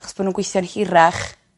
Achos bo' nw'n gweithio'n hirach.